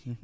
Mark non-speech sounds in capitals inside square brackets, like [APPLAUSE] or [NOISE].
[HESITATION] [HESITATION]